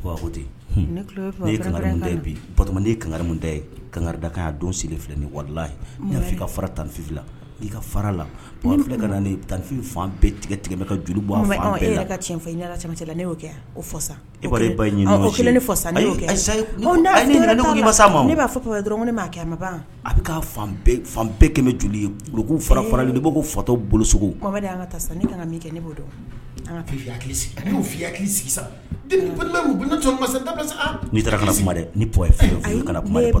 Ko ten ne ye kan da biden ye kanga da ye kangada don sigilen filɛ ni warifin ka fara tan nifi ka fara la tanfin fan bɛɛ tigɛ tigɛ ka joli ne'o kɛ o ba kelen ma ne b'a fɔ dɔrɔn ma kɛ ma ban a bɛ ka fan bɛɛ kɛmɛ joli ye fara fara de ko fatɔ bolo ka taa ne kana min kɛ ne'o dɔnyayaki nii kana kuma dɛ p